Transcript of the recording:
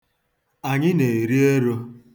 Anyị na-eri ero.